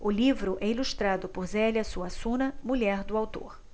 o livro é ilustrado por zélia suassuna mulher do autor